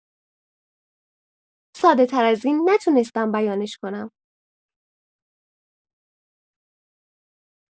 ساده‌‌تر از این نتونستم بیانش کنم.